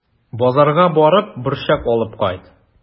Базарга барып, борчак алып кайт.